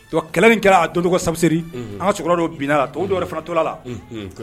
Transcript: Don kɛlɛ kɛra a donsiri an ka bin la to dɔwɛrɛ fana to la